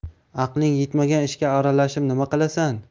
aqling yetmagan ishga aralashib nima qilasan